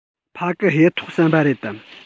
ཕ གི གཡུ ཐོག ཟམ པ རེད དམ